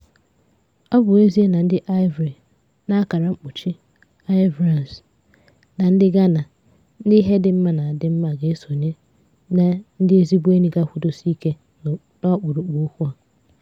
Ọ bụ ezie na ndị Ivorị (Ivorians) na ndị Gana, ndị ihe dị mmá na-adị mma ga-esonye na ndị ezigbo enyi ga-akwụdosiike n'ọkpụrụkpụ okwu a.